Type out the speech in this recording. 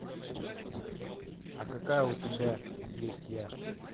а какая у тебя есть я